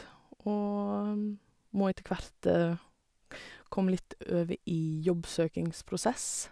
Og må etter hvert komme litt over i jobbsøkingsprosess.